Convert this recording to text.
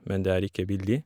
Men det er ikke billig.